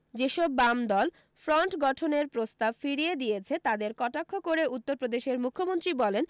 যে সব বাম দল ফরণ্ট গঠনের প্রস্তাব ফিরিয়ে দিয়েছে তাদের কটাক্ষ করে উত্তরপ্রদেশের মুখ্যমন্ত্রী বলেন